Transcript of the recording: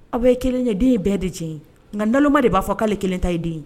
A bɛ ye kelen ye, den ye bɛɛ de jɛn ye. Nka naloma de b'a fɔ k'ale kelen ta ye den ye.